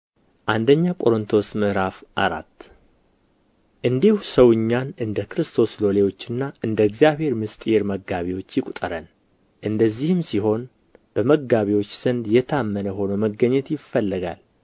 አንደኛ ቆሮንጦስ ምዕራፍ አራት እንዲሁ ሰው እኛን እንደ ክርስቶስ ሎሌዎችና እንደ እግዚአብሔር ምሥጢር መጋቢዎች ይቍጠረን እንደዚህም ሲሆን በመጋቢዎች ዘንድ የታመነ ሆኖ መገኘት ይፈለጋል